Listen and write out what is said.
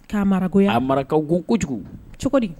Kaana mara a mara go kojugu cogo di